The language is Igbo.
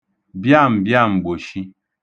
bịam̀bịam̀gbòshi